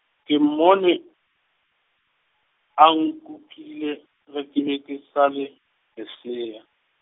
ke mmone, a nkukile ge ke be ke sa le, lesea.